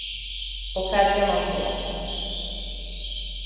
og hvat ger mann so